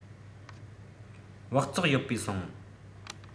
སྦགས བཙོག ཡོད པའི སོང